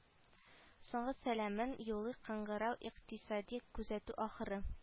Соңгы сәламен юллый кыңгырау икътисади күзәтү ахыры